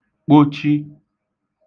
kpochi